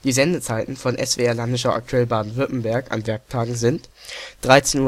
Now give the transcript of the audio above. Sendezeiten von „ SWR Landesschau aktuell Baden-Württemberg “an Werktagen sind: 13.13